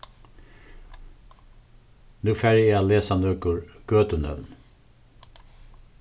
nú fari eg at lesa nøkur gøtunøvn